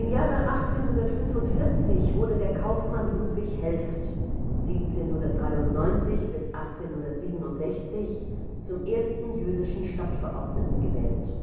Jahre 1845 wurde der Kaufmann Ludwig Helfft (1793 – 1867) zum ersten jüdischen Stadtverordneten gewählt